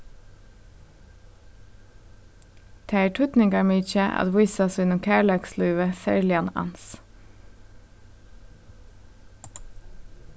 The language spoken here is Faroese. tað er týdningarmikið at vísa sínum kærleikslívi serligan ans